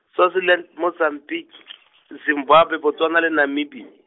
Swaziland Mozambique , Zimbabwe Botswana le Namibi-.